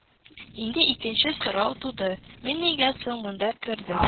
Инде икенче сорау туды: «Мин нигә соң монда кердем